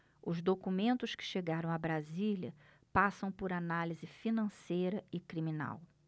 os documentos que chegaram a brasília passam por análise financeira e criminal